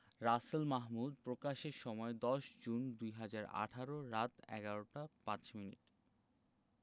Rasel Mahmud প্রকাশের সময় ১০ June ২০১৮ রাত ১১টা ৫ মিনিট